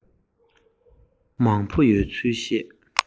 མང པོ ཡོད ཚུལ བཤད